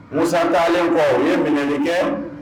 Musa ntalenlen kɔ u ye minɛli kɛ